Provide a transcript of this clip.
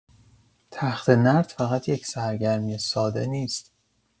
تخته‌نرد فقط یک سرگرمی ساده نیست؛